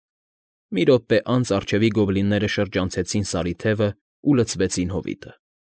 Մի րոպե անց առջևի գոբլինները շրջանցեցին Սարի թևն ու լցվեցին հովիտը։